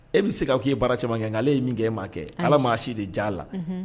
E bɛ se k ka ko' e baara camankɛ nka ale ye min kɛ ma kɛ ala maa si de ja la